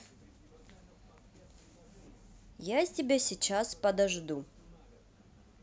я тебя сейчас подожду